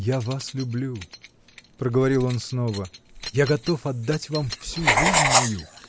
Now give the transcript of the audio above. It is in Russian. -- Я вас люблю, -- проговорил он снова, -- я готов отдать вам всю жизнь мою.